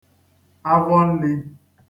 avọ n̄lī